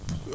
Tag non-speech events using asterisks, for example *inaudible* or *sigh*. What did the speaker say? *hesitation* *hesitation*